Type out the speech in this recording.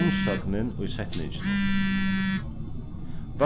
umsøgnin í setninginum